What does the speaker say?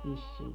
vissiin